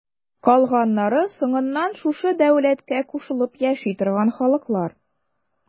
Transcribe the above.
Калганнары соңыннан шушы дәүләткә кушылып яши торган халыклар.